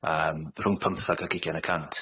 yym rhwng pymthag ag ugian y cant.